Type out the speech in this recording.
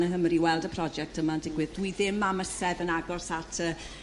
yng Nghymru i weld y project yma'n digwydd dwi ddim a 'mysedd yn agos at y